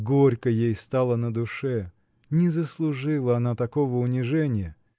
Горько ей стало на душе; не заслужила она такого униженья.